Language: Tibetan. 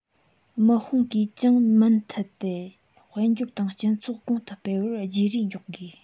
དམག དཔུང གིས ཀྱང མུ མཐུད དེ དཔལ འབྱོར དང སྤྱི ཚོགས གོང དུ སྤེལ བར བྱས རྗེས འཇོག དགོས